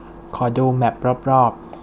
ขอดูแมพรอบรอบ